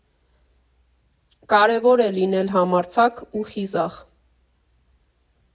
Կարևոր է լինել համարձակ ու խիզախ։